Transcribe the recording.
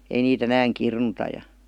ei niitä enää kirnuta ja